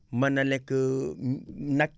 mën na nekk nag